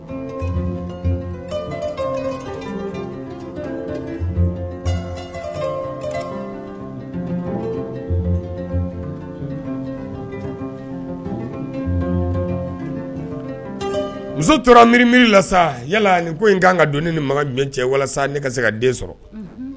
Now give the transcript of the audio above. Muso tora miiri miiri la yala ni ko in kan ka don ni ni makan mi cɛ walasa ne ka se ka den sɔrɔ